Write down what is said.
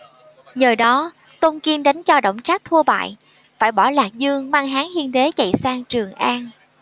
nhờ đó tôn kiên đánh cho đổng trác thua bại phải bỏ lạc dương mang hán hiến đế chạy sang trường an